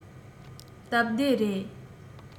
སྟབས བདེ རེད